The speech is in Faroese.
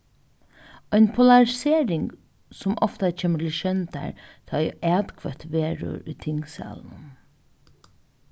ein polarisering sum ofta kemur til sjóndar tá ið atkvøtt verður í tingsalinum